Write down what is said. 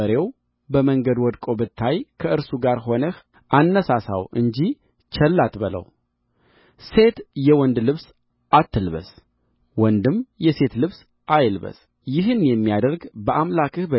በሬው በመንገድ ወድቆ ብታይ ከእርሱ ጋር ሆነህ አነሣሣው እንጂ ቸል አትበለው ሴት የወንድ ልብስ አትልበስ ወንድም የሴት ልብስ አይልበስ ይህን የሚያደርግ በአምላክህ